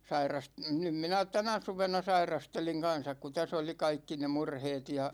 - nyt minä tänä suvena sairastelin kanssa kun tässä oli kaikki ne murheet ja